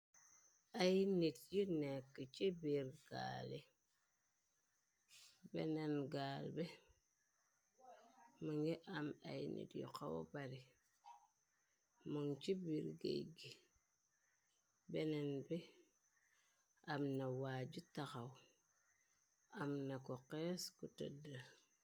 Ay nit yu nekk ci brbenen gaal bi më ngi am ay nit yu xaw bare moon ci biir géy gi beneen bi am na waa ju taxaw am na ko xees ku tëddl.